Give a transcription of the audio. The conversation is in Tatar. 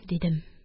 Дидем.